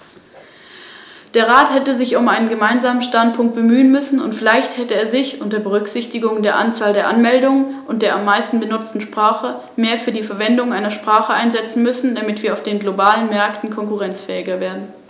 Der Bericht befasst sich mit der Harmonisierung von Prüfungsanforderungen für Sicherheitsberater, die im Bereich der Beförderung gefährlicher Güter auf Straße, Schiene oder Binnenwasserstraße tätig sind.